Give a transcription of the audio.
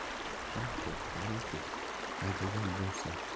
ha xo'p boringki haydagan bo'lsin